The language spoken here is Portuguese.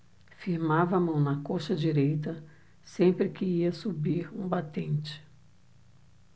firmava a mão na coxa direita sempre que ia subir um batente